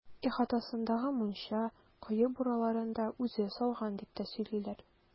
Ихатасындагы мунча, кое бураларын да үзе салган, дип тә сөйлиләр.